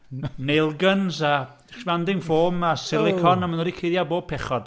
Nail guns a expanding foam a silicone, a maen nhw 'di cuddio bob pechod.